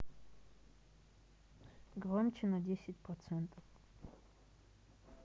громче на десять процентов